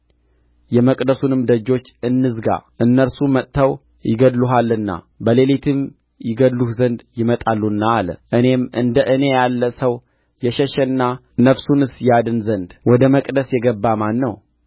የመቅደሱንም ደጆች እንዝጋ እነርሱ መጥተው ይገድሉሃልና በሌሊትም ይገድሉህ ዘንድ ይመጣሉና አለ እኔም እንደ እኔ ያለ ሰው የሸሸና ነፍሱንስ ያድን ዘንድ ወደ መቅደስ የገባ ማን ነው